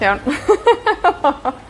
Iawn.